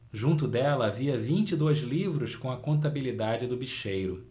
junto dela havia vinte e dois livros com a contabilidade do bicheiro